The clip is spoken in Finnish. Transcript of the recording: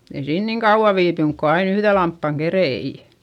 ei siinä niin kauan viipynyt kun aina yhden lampaan keritsi